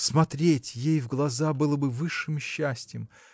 Смотреть ей в глаза было бы высшим счастьем.